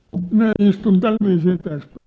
minä istun tällä viisiin tässä